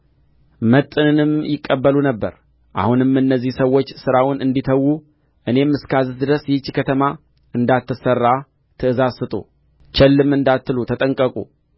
መጥንንም ይቀበሉ ነበር አሁንም እነዚህ ሰዎች ሥራውን እንዲተዉ እኔም እስካዝዝ ድረስ ይህች ከተማ እንዳትሠራ ትእዛዝ ስጡ ቸልም እንዳትሉ ተጠንቀቁ